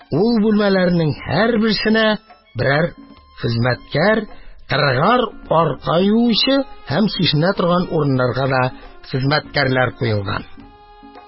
Ул бүлмәләрнең һәрберсенә берәр хезмәткәр, кырыгар арка юучы һәм чишенә торган урыннарга да хезмәткәрләр куелган.